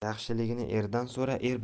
yaxshilikni erdan so'ra